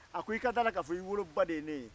a ko i ka d'a la k'a fɔ i woloba de ye ne